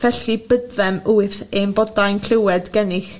felly byddem wyth em bodau'n clywed gennych